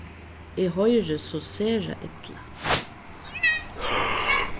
eg hoyri so sera illa